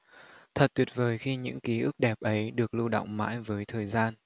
thật tuyệt vời khi những ký ức đẹp ấy được lưu đọng mãi với thời gian